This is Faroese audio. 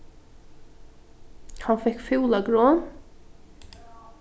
hann fekk fúla gron